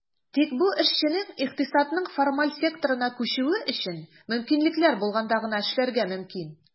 Тик бу эшченең икътисадның формаль секторына күчүе өчен мөмкинлекләр булганда гына эшләргә мөмкин.